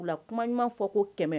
K' kuma ɲuman fɔ ko kɛmɛ